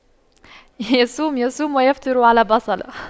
يصوم يصوم ويفطر على بصلة